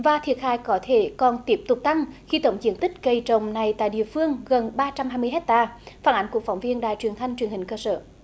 và thiệt hại có thể còn tiếp tục tăng khi tổng diện tích cây trồng này tại địa phương gần ba trăm hai mươi héc ta phản ánh của phóng viên đài truyền thanh truyền hình cơ sở